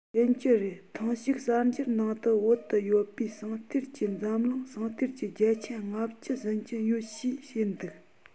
ཡིན གྱི རེད ཐེངས ཤིག གསར འགྱུར ནང དུ བོད དུ ཡོད པའི ཟངས གཏེར གྱིས འཛམ གླིང ཟངས གཏེར གྱི བརྒྱ ཆ ལྔ བཅུ ཟིན གྱི ཡོད ཞེས བཤད འདུག